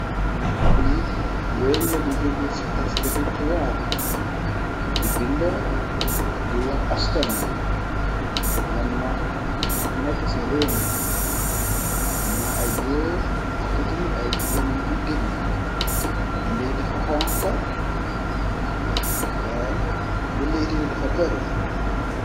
lunu gis ni kurella bu jóge ci taskati xiwaare di bind di woon ashkanwe lanma nekk ci réew me amna ay góor ak itimit ay jigenin vigenne xobind itimit dafa bari